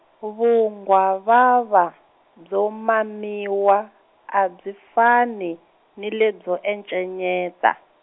vunghwavava, byo mamiwa, a byi fani, ni lebyo encenyeta.